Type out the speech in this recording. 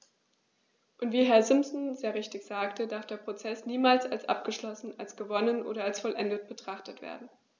Und wie Herr Simpson sehr richtig sagte, darf der Prozess niemals als abgeschlossen, als gewonnen oder als vollendet betrachtet werden.